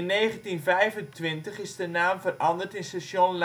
de naam veranderd in station Laren-Almen